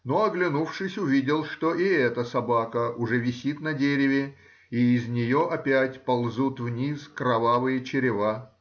но, оглянувшись, увидел, что и эта собака уже висит на дереве, и из нее опять ползут вниз кровавые черева.